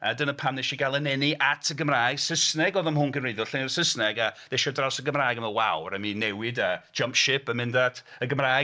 A dyna pam wnes i gael 'y nenu at y Gymraeg. Saesneg oedd ym mhwnc yn wreiddiol, llenyddiaeth Saesneg, a ddes i ar draws y Gymraeg a meddwl "waw, raid mi newid a jump ship yn mynd at y Gymraeg".